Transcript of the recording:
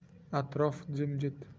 atrof jimjit